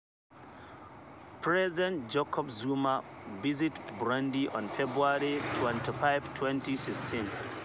President Jacob Zuma visits Burundi on February 25, 2016.